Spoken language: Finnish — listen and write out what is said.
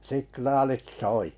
signaalit soi